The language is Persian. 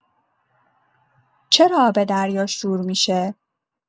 چرا آب دریا شور می‌شه؟